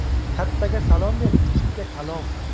kattaga salom ber kichikka kalom